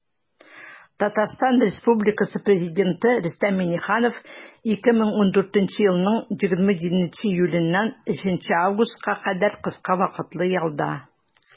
Татарстан Республикасы Президенты Рөстәм Миңнеханов 2014 елның 27 июленнән 3 августына кадәр кыска вакытлы ялда.